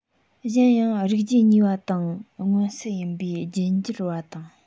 གཞན ཡང རིགས རྒྱུད གཉིས པ དང མངོན གསལ ཡིན པའི རྒྱུད འགྱུར བར དང